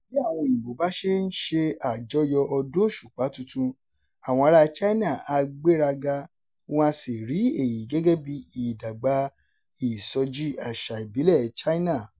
Bí àwọn Òyìnbó bá ń ṣe àjọyọ̀ Ọdún Òṣùpá Tuntun, àwọn aráa China á gbéraga wọ́n á sì rí èyí gẹ́gẹ́ bí ìdàgbà ìsọjí àṣà ìbílẹ̀ China...